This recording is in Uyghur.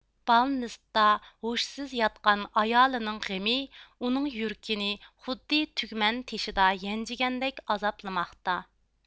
بالنېستتا ھوشسىز ياتقان ئايالىنىڭ غېمى ئۇنىڭ يۈرىكىنى خۇددى تۈگمەن تېشىدا يەنچىگەندەك ئازابلىماقتا